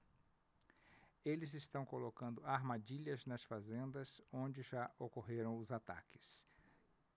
eles estão colocando armadilhas nas fazendas onde já ocorreram os ataques